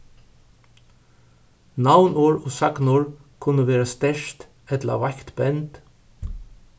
navnorð og sagnorð kunnu vera sterkt ella veikt bend